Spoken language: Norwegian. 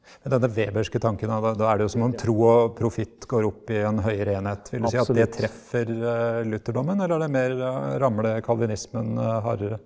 men denne weberske tanken da da er det jo som om tro og profitt går opp i en høyere enhet vil du si at det treffer lutherdommen eller er det mer rammer det kalvinismen hardere?